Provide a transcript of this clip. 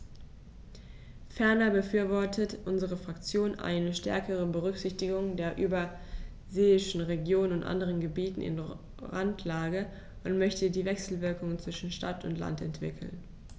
Ferner befürwortet unsere Fraktion eine stärkere Berücksichtigung der überseeischen Regionen und anderen Gebieten in Randlage und möchte die Wechselwirkungen zwischen Stadt und Land entwickeln.